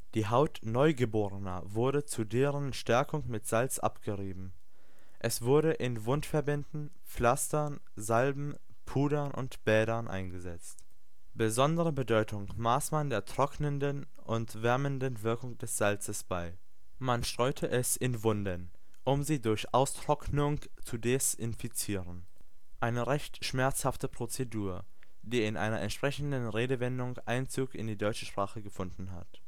Die Haut Neugeborener wurde zu deren Stärkung mit Salz abgerieben. Es wurde in Wundverbänden, Pflastern, Salben, Pudern und Bädern eingesetzt. Besondere Bedeutung maß man der trocknenden und wärmenden Wirkung des Salzes bei. Man streute es in Wunden, um sie durch Austrocknung zu desinfizieren – eine recht schmerzhafte Prozedur, die in einer entsprechenden Redewendung Einzug in die deutsche Sprache gefunden hat